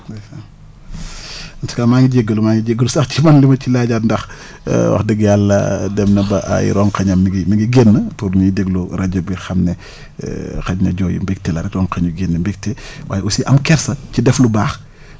ndeysaan maa ngi jégalu maa ngi jégalu sax ci man li ma ci laajaat ndax wax dëgg yàlla dem na ba ay rongañam mi ngi mi ng génn pour ñy déglu rajo bi xam ne xaj na jooyu mbégte la rek rongañ yi génn mbégte waaye aussi am kersa ci def lu baax